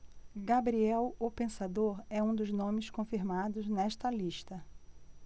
gabriel o pensador é um dos nomes confirmados nesta lista